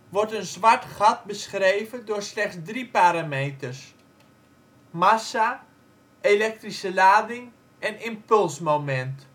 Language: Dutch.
wordt een zwart gat beschreven door slechts drie parameters: massa, elektrische lading en impulsmoment